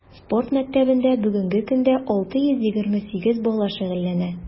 Спорт мәктәбендә бүгенге көндә 628 бала шөгыльләнә.